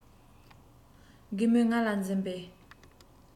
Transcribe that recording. རྒན མོས ང ལ འཛིན པའི